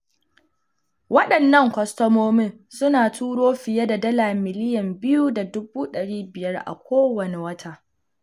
Waɗannan kwastomomin suna turo fiye da Dala miliyan 2.5 a kowane wata.